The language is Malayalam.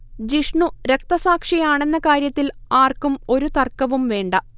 ജിഷ്ണു രക്തസാക്ഷിയാണെന്ന കാര്യത്തിൽ ആർക്കും ഒരു തർക്കവും വേണ്ട